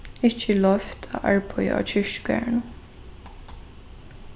ikki er loyvt at arbeiða á kirkjugarðinum